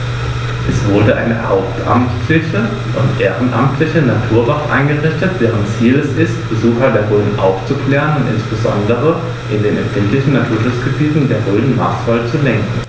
Es wurde eine hauptamtliche und ehrenamtliche Naturwacht eingerichtet, deren Ziel es ist, Besucher der Rhön aufzuklären und insbesondere in den empfindlichen Naturschutzgebieten der Rhön maßvoll zu lenken.